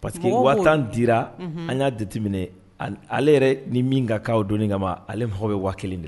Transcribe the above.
Pa que waati tan dira an y'a diminɛ ale yɛrɛ ni min ka k'aw don kama ale mɔgɔw bɛ ye wa kelen de